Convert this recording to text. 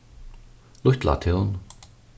lítlatún